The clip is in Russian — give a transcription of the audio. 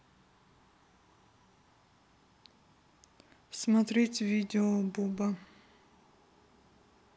смотреть видео буба